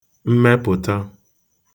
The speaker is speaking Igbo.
mmepụ̀ta